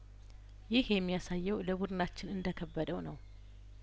ይህ የሚያሳየው ለቡድናችን እንደከበደው ነው